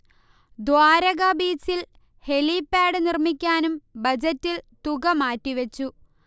ദ്വാരകാ ബീച്ചിൽ ഹെലിപ്പാഡ് നിർമിക്കാനും ബജറ്റിൽ തുക മാറ്റിവെച്ചു